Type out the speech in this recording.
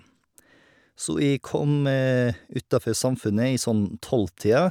Så jeg kom utafor Samfundet i sånn tolvtida.